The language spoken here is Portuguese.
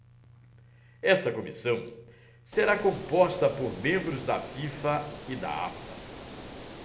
essa comissão será composta por membros da fifa e da afa